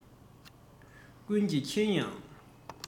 ཀུན གྱིས མཁྱེན ཀྱང